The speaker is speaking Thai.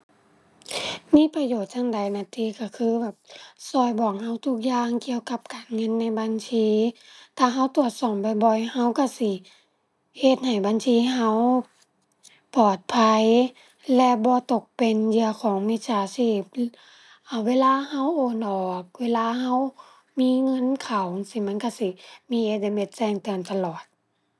มีประโยชน์จั่งใดน่ะติ ก็คือแบบ ก็บอกก็ทุกอย่างเกี่ยวกับการเงินในบัญชี ถ้าก็ตรวจสอบบ่อยบ่อย ก็ก็สิเฮ็ดให้บัญชีก็ปลอดภัยและบ่ตกเป็นเหยื่อของมิจฉาชีพ เอาเวลาก็โอนออก เวลาก็มีเงินเข้าจั่งซี้ มันก็สิมี SMS แจ้งเตือนตลอด